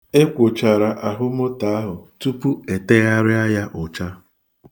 E kwochara ahụ moto ahụ tupu e tegharịa ya ucha.̣